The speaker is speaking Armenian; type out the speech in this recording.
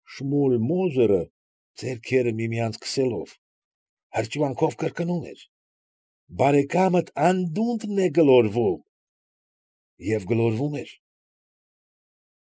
Շմուլ Մոզերը, ձեռքերը միմյանց քսելով, հրճվանքով կրկնում էր. ֊ Բարեկամդ անդունդն է գլորվում… Եվ գլորվում էր։